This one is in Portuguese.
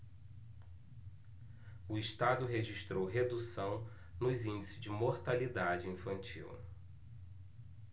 o estado registrou redução nos índices de mortalidade infantil